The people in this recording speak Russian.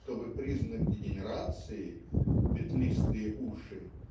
чтобы признак дегенерации "петлистые уши"